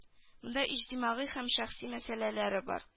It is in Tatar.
Монда иҗтимагый һәм шәхси мәсьәләсе бар